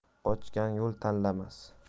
qochgan yo'l tanlamas